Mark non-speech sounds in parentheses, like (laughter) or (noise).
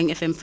(hesitation) (hesitation)